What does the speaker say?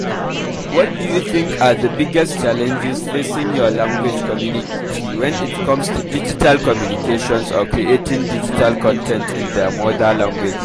(AOY): What do you think are the biggest challenges facing your language community when it comes to digital communications or creating digital content in their mother language?